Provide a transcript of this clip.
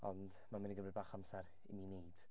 Ond ma'n mynd i gymryd bach amser i mi wneud.